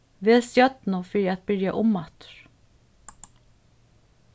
vel stjørnu fyri at byrja umaftur